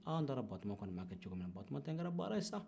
aa n t'a don batoma ko in bɛ na kɛ cogo min na batoma ta in kɛra baara ye sa